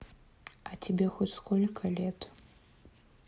а тебе хоть сколько лет